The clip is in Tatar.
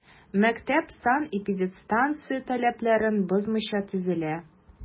Мәктәп санэпидстанция таләпләрен бозмыйча төзелә.